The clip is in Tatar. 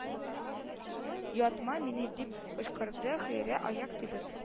Юатма мине дип кычкырды хөрия аяк тибеп